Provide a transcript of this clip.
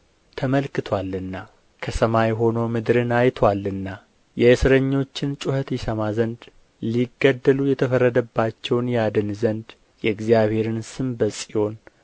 ተመልክቶአልና ከሰማይ ሆኖ ምድርን አይቶአልና የእስረኞችን ጩኸት ይሰማ ዘንድ ሊገድሉ የተፈረደባቸውን ያድን ዘንድ የእግዚአብሔርን ስም በጽዮን